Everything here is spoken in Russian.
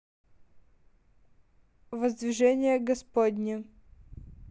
воздвижение господне